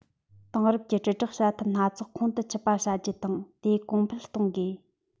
དེང རབས ཀྱི དྲིལ བསྒྲགས བྱ ཐབས སྣ ཚོགས ཁོང དུ ཆུད པ བྱ རྒྱུ དང དེ གོང འཕེལ གཏོང དགོས